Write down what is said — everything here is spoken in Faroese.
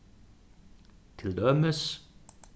til dømis